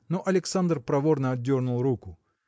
Но Александр проворно отдернул руку.